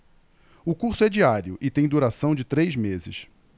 o curso é diário e tem duração de três meses